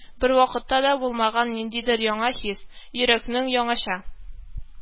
Бервакытта да булмаган ниндидер яңа хис, йөрәкнең яңача